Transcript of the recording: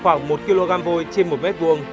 khoảng một ki lô gam vôi trên một mét vuông